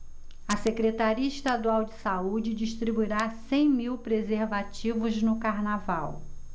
a secretaria estadual de saúde distribuirá cem mil preservativos no carnaval